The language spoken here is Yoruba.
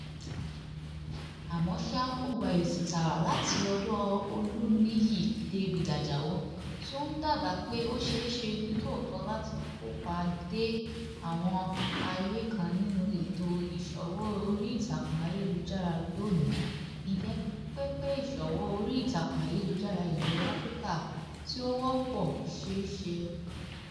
Àmọ́ ṣá, ó gba èsì tààrà láti ọ̀dọ̀ Oluniyi David Àjàó tí ó ń dábàá pé ó ṣeé ṣe ní tòótọ́ láti kópa dé àwọn ààyè kan nínú ètò ìṣòwò orí ìtàkùn ayélujára lónìí: Ǹjẹ́ pẹpẹ ìṣòwò orí ìtàkùn ayélujára ilẹ̀ Áfríkà tí ó wọ́pọ̀ ṣeé ṣe?